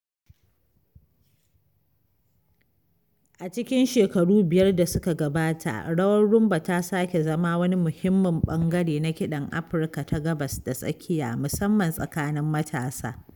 A cikin shekaru biyar da suka gabata, rawar Rhumba ta sake zama wani muhimmin ɓangare na kiɗan Afirka ta Gabas da Tsakiya, musamman tsakanin matasa.